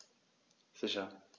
Sicher.